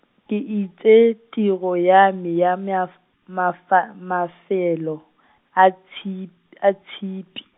ke itse tiro ya me ya meaf-, mafa- mafelo, a tshi-, a tshipi.